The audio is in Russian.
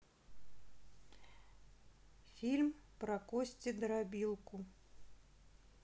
фильм про костедробилку